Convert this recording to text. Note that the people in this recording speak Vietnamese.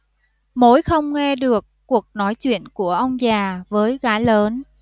mối không nghe được cuộc nói chuyện của ông già với gái lớn